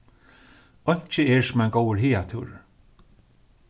einki er sum ein góður hagatúrur